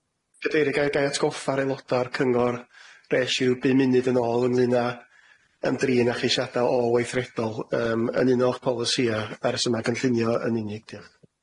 Gadeirydd ga'i atgoffa'r aelodau'r cyngor res i'w bum munud yn ôl ynglŷn â ymdrin â cheisiada olweithredol yym yn un o'ch polisïau ers yma gynllunio yn unig diolch.